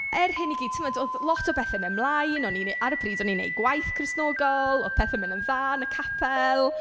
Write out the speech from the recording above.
Er hyn i gyd, timod oedd lot o bethau'n mynd mlaen. O'n i'n ne... ar y pryd, o'n i'n wneud gwaith Cristnogol, oedd pethau'n mynd yn dda yn y capel.